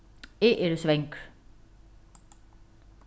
eg eri svangur